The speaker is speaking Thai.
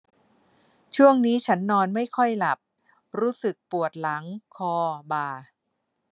ช่วงนี้ฉันนอนไม่ค่อยหลับรู้สึกปวดหลังคอบ่า